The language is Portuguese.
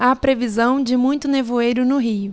há previsão de muito nevoeiro no rio